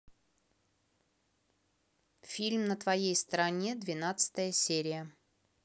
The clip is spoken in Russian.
фильм на твоей стороне двенадцатая серия